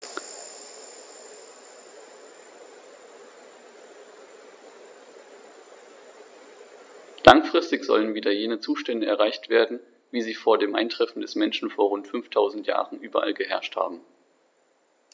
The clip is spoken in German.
Langfristig sollen wieder jene Zustände erreicht werden, wie sie vor dem Eintreffen des Menschen vor rund 5000 Jahren überall geherrscht haben.